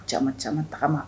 Cam cam tagama